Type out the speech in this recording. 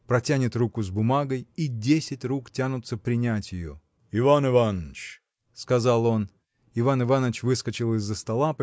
протянет руку с бумагой – и десять рук тянутся принять ее. – Иван Иваныч! – сказал он. Иван Иваныч выскочил из-за стола